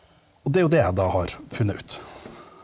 og det er jo det jeg da har funnet ut.